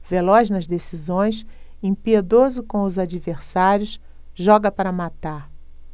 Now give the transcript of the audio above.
veloz nas decisões impiedoso com os adversários joga para matar